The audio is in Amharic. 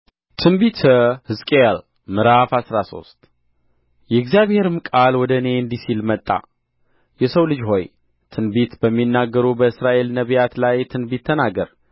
ትንቢተ ሕዝቅኤል ምዕራፍ አስራ ሶስት የእግዚአብሔርም ቃል ወደ እኔ እንዲህ ሲል መጣ የሰው ልጅ ሆይ ትንቢት በሚናገሩ በእስራኤል ነቢያት ላይ ትንቢት ተናገር